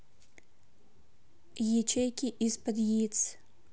ячейки из под яиц